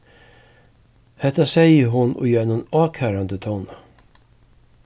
hetta segði hon í einum ákærandi tóna